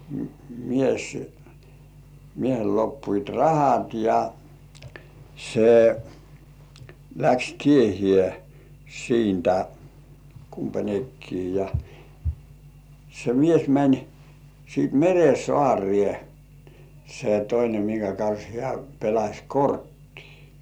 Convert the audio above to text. mies miehellä loppuivat rahat ja se lähti tiehensä siitä kumpainenkin ja se mies meni sitten meren saareen se toinen minkä kanssa hän pelasi korttia